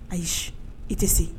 Ayi i tɛ se